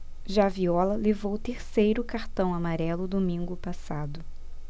já viola levou o terceiro cartão amarelo domingo passado